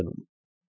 Դնում…։